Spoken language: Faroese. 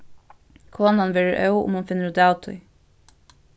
konan verður óð um hon finnur út av tí